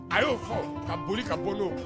A y'o fɔ, ka boli ka bɔ